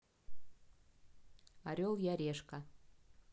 орел я решка